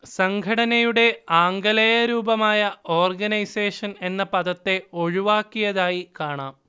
സംഘടനയുടെ ആംഗലേയ രൂപമായ ഓർഗനൈസേഷൻ എന്ന പദത്തെ ഒഴിവാക്കിയതായി കാണാം